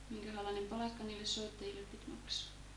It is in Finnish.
minkähänlainen palkka niille soittajille piti maksaa